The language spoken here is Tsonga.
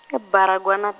e- Baragwanath.